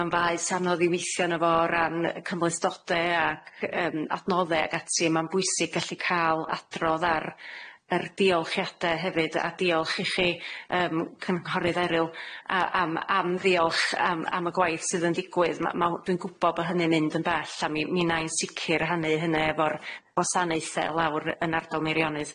Ma'n faes anodd i weithio arno fo o ran y cymhlethdode ac yym adnodde ag ati ma'n bwysig gallu ca'l adrodd ar yr diolchiade hefyd a diolch i chi yym cynghorydd Eryl a am am ddiolch am am y gwaith sydd yn ddigwydd ma' ma' w- dwi'n gwbo bo' hynny'n mynd yn bell a mi mi wnai yn sicir rhannu hynny efo'r gwasanaethe lawr yn ardal Meirionnydd.